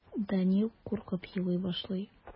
Данил куркып елый башлый.